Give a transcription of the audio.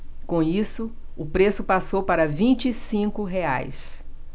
com isso o preço passou para vinte e cinco reais